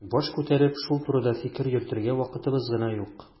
Баш күтәреп шул турыда фикер йөртергә вакытыбыз гына юк.